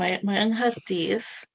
Mae mae yng Nghaerdydd.